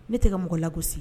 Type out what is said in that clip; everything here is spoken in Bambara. Ne tɛ mɔgɔ la ko si